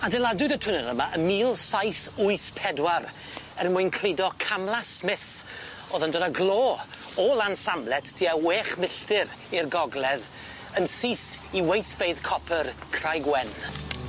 Adeiladwyd y twnnel yma ym mil saith wyth pedwar er mwyn cludo Camlas Smith o'dd yn dod â glo o Lansamlet tua wech milltir i'r gogledd yn syth i weithfeydd copyr Craigwen.